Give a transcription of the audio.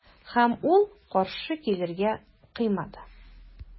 Һәм ул каршы килергә кыймады.